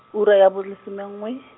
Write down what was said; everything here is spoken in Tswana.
ura ya bolesome nngwe.